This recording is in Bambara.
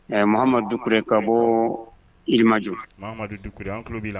Ɛ mamadu duure ka bɔ ilimajɔ